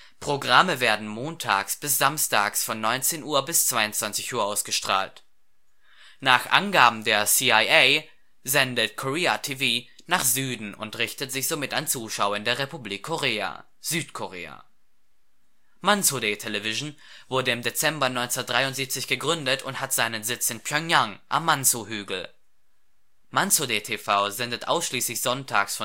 Programme werden montags bis samstags von 19:00 Uhr bis 22:00 Uhr ausgestrahlt. Nach Angaben der CIA sendet Korea TV nach Süden und richtet sich somit an Zuschauer in der Republik Korea (Südkorea). Mansudae Television wurde im Dezember 1973 gegründet und hat seinen Sitz in Pjöngjang am Mansu-Hügel. Mansudae TV sendet ausschließlich sonntags